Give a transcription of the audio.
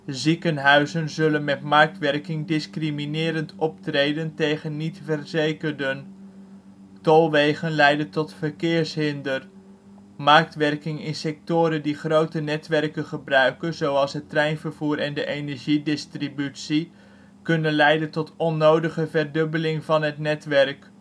Ziekenhuizen zullen met marktwerking discriminerend optreden tegen niet-verzekerden. Tolwegen leiden tot verkeershinder. Marktwerking in sectoren die grote netwerken gebruiken (treinvervoer, energiedistributie) kunnen leiden tot onnodige verdubbeling van het netwerk